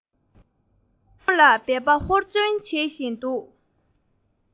སློབ སྦྱོང ལ འབད པ ཧུར ལེན བྱེད བཞིན འདུག